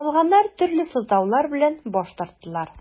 Калганнар төрле сылтаулар белән баш тарттылар.